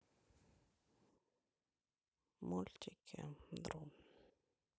мультики дру